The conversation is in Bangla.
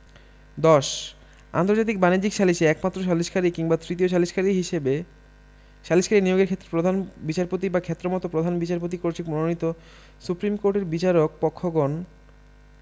১০ আন্তর্জাতিক বাণিজ্যিক সালিসে একমাত্র সালিসকারী কিংবা তৃতীয় সালিসকারী নিয়োগের ক্ষেত্রে প্রধান বিচারপতি বা ক্ষেত্রমত প্রধান বিচারপতি কর্তৃক মনোনীত সুপ্রীম কোর্টের বিচারক পক্ষঘণ